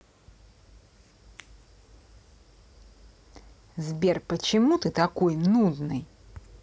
сбер почему ты такой нудный